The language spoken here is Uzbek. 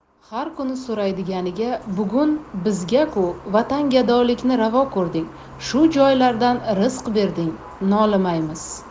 har kuni so'raydiganiga bugun bizga ku vatangadolikni ravo ko'rding shu joylardan rizq berding nolimaymiz